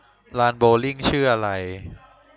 ลานโบว์ลิ่งชื่ออะไร